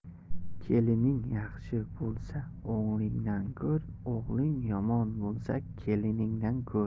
kelining yaxshi bo'lsa o'g'lingdan ko'r o'g'ling yomon bo'lsa keliningdan ko'r